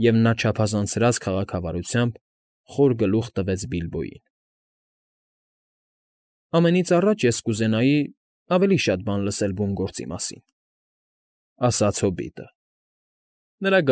Եվ նա չափազանցրած քաղաքավարությամբ խոր գլուխ տվեց Բիլբոյին։ ֊ Ամենից առաջ ես կուզենայի ավելի շատ բան լսել բուն գործի մասին, ֊ ասաց հոբիտը (նրա։